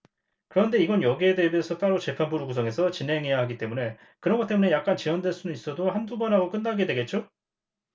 그런데 이건 여기에 대비해서 따로 재판부를 구성해서 진행해야 하기 때문에 그런 것 때문에 약간 지연될 수는 있어도 한 두 번 하고 끝나게 되겠죠